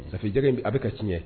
ça fait jɛgɛ in, a bɛ ka tiɲɛ